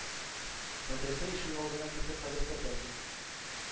Мәдрәсә ишек алдына кертеп хәдәсләтәсез?